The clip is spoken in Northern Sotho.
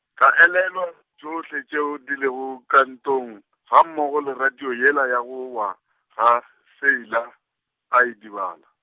ka elelelwa tšohle tšeo di lego ka ntlong, gammogo le radio yela ya go wa, ga Seila, a idibala.